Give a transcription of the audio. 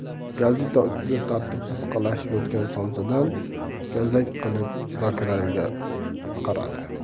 gazeta ustida tartibsiz qalashib yotgan somsadan gazak qilib zokiraliga qaradi